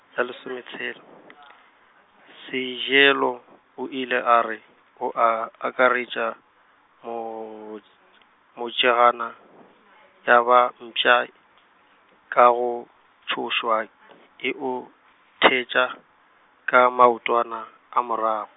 ya lesometshela , Sejelo o ile a re oa akaretša, mots- ts- motšegana , ya ba mpša, ka go, tšhošwa eo thetša, ka maotwana, a morag-.